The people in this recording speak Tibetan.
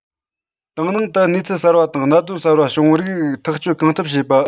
ཏང ནང དུ གནས ཚུལ གསར པ དང གནད དོན གསར པ བྱུང རིགས ཐག གཅོད གང ཐུབ བྱེད པ